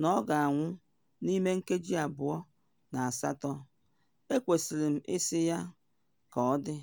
na ọ ga-anwụ n’ime nkeji abụọ na esote, ekwesịrị m ị sị ya ka ọ dị.